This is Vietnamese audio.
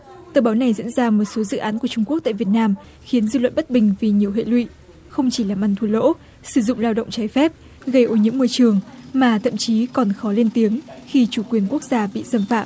tờ báo này diễn ra một số dự án của trung quốc tại việt nam khiến dư luận bất bình vì nhiều hệ lụy không chỉ làm ăn thua lỗ sử dụng lao động trái phép gây ô nhiễm môi trường mà thậm chí còn khó lên tiếng khi chủ quyền quốc gia bị xâm phạm